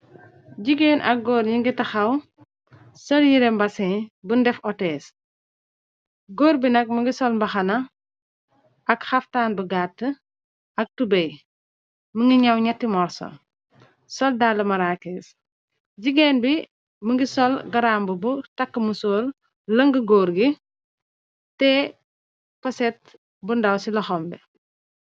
Jigeen ak góor yi ngi taxaw sol yire mbasin bundef otees. Góor bi nag mu ngi sol mbaxana ak xaftaan bu gatt ak tubey. Mu ngi gñaw ñetti morso soldala maraces. Jigeen bi mi ngi sol garamb bu takk musoor lëng góor gi te poset bu ndaw ci loxombe.